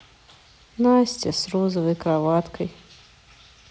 настя с розовой кроваткой